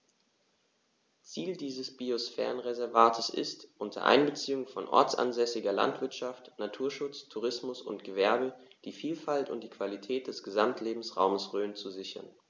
Ziel dieses Biosphärenreservates ist, unter Einbeziehung von ortsansässiger Landwirtschaft, Naturschutz, Tourismus und Gewerbe die Vielfalt und die Qualität des Gesamtlebensraumes Rhön zu sichern.